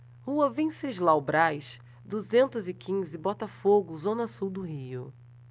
rua venceslau braz duzentos e quinze botafogo zona sul do rio